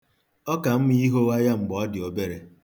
Ọ ka mma ihogha ya mgbe ọ dị obere.